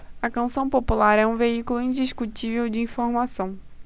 a canção popular é um veículo indiscutível de informação